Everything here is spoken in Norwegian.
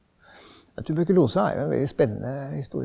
tuberkulose har jo en veldig spennende.